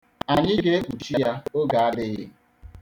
Anyi ga-ekpuchi ya, oge adịghị.